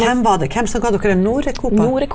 hvem var det hvem som ga dere den Norecopa?